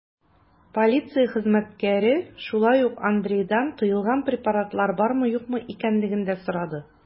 Полиция хезмәткәре шулай ук Андрейда тыелган препаратлар бармы-юкмы икәнлеген дә сорады.